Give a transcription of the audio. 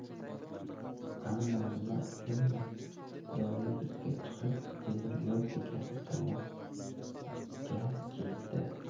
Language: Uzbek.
ammo nima uchundir trolleybusga chiqib temir yo'l bekati tomonga ketdi